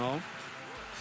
nó